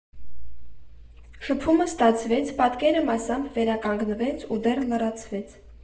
Շփումը ստացվեց, պատկերը մասամբ վերականգնվեց ու դեռ լրացվեց.